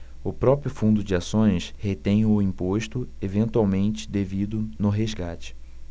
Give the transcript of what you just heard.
o próprio fundo de ações retém o imposto eventualmente devido no resgate